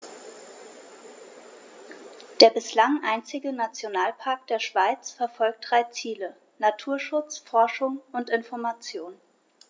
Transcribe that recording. Der bislang einzige Nationalpark der Schweiz verfolgt drei Ziele: Naturschutz, Forschung und Information.